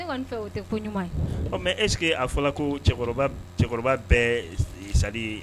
E fɛ o tɛ mɛ esseke a fɔra ko cɛkɔrɔba bɛɛ sali ye